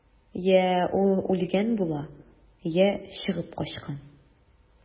Йә ул үлгән була, йә чыгып качкан.